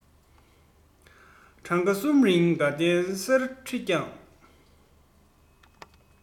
བགྲང བྱ གསུམ རིང དགའ ལྡན གསེར ཁྲི བསྐྱངས